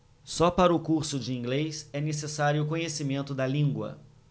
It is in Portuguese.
só para o curso de inglês é necessário conhecimento da língua